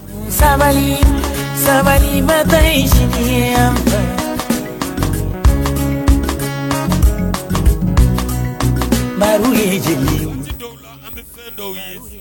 Sabali sabali mata sigilen baro ye jeli ye